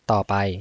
ต่อไป